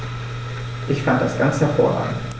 Ich fand das ganz hervorragend.